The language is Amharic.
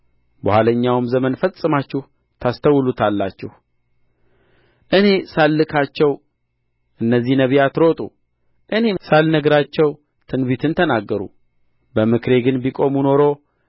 በኋለኛው ዘመን ፈጽማችሁ ታስተውሉታላችሁ እኔ ሳልልካቸው እነዚህ ነቢያት ሮጡ እኔም ሳልነግራቸው ትንቢትን ተናገሩ በምክሬ ግን ቢቆሙ ኖሮ